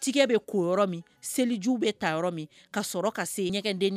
Tigɛ bɛ min seliju bɛ ta yɔrɔ min ka sɔrɔ ka se ɲɛgɛn